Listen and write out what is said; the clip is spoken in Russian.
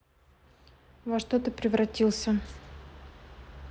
во что ты превратился